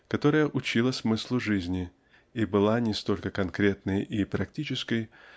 которая учила смыслу жизни и была не столько конкретной и практической